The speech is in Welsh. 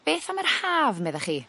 beth am yr Haf meddach chi.